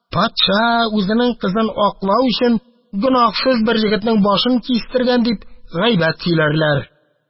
«патша, үзенең кызын аклау өчен, гөнаһсыз бер егетнең башын кистергән», – дип, гайбәт сөйләрләр.